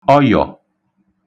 ọyọ̀